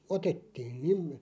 otettiin niin